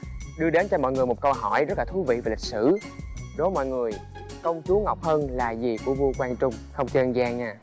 đưa đến cho mọi người một câu hỏi rất là thú vị về lịch sử đố mọi người công chúa ngọc hân là gì của vua quang trung không chơi ăn gian nha